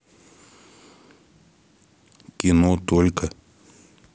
кино только